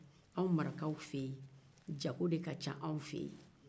anw marakaw fe yen jago de ka ca anw fe yen